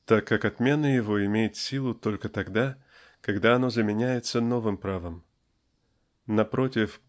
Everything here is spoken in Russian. так как отмена его имеет силу только тогда когда оно заменяется новым правом. Напротив